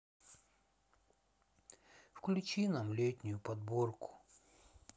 включи нам летнюю подборку